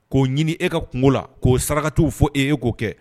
K'o ɲini e ka kungo la k'o saraka'w fɔ ee k'o kɛ